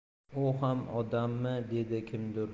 u xam odammi dedi kimdir